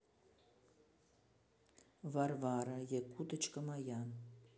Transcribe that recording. варвара якутяночка моя